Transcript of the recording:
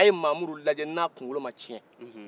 a ye mamudu laajɛ n'o ya sɔrɔ a kunkolo ma tiɲɛ